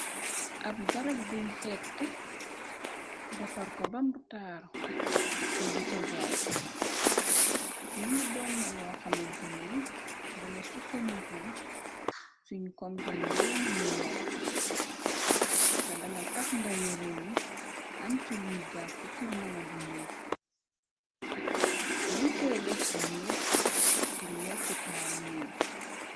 Ab garab guñ xett defar ko bammu taaru ni di ko jaay lii doon na loo xamante ni dana sukondekul suñ kom ko mu réew mi mu yokk te dana tax ndawi réewyi am ci luñ jàppu pur mëna dundee denkay def ci neeg pur yokku taaru neg bi.